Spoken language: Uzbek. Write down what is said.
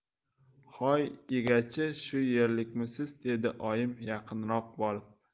hoy egachi shu yerlikmisiz dedi oyim yaqinroq borib